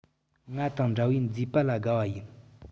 ང དང འདྲ བའི མཛེས པ ལ དགའ བ ཡིན